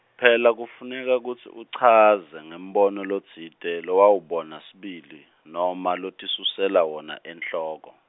phela kufuneka kutsi uchaze, ngembono lotsite, lowawubona sibili, noma, lotisusela wona, enhloko.